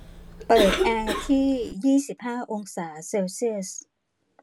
เปิดที่แอร์ยี่สิบห้าองศาเซลเซียส